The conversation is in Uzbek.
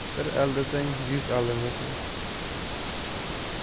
bir aldansang yuz aldanasan